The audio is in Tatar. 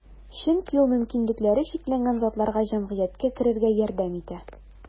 Чөнки ул мөмкинлекләре чикләнгән затларга җәмгыятькә керергә ярдәм итә.